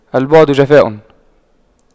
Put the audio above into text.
البعد جفاء